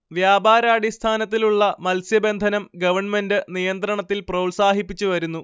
വ്യാപാരാടിസ്ഥാനത്തിലുള്ള മത്സ്യബന്ധനം ഗണ്മെന്റ് നിയന്ത്രണത്തിൽ പ്രോത്സാഹിപ്പിച്ചു വരുന്നു